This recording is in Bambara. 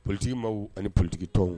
Politigi maaw ani politigi tɔnw